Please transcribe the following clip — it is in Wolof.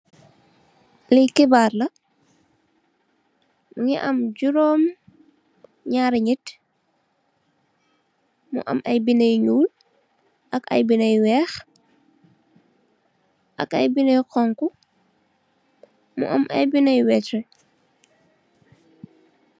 Li xibaar la mugui am jeerum narri nit, mu am ayi bindah yu nool ak ayibindah yu weert.